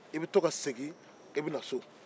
i bɛ to ka segin i bɛ na so